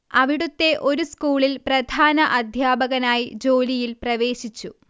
അവിടുത്തെ ഒരു സ്കൂളിൽ പ്രധാന അദ്ധ്യാപകനായി ജോലിയിൽ പ്രവേശിച്ചു